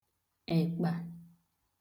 èkpà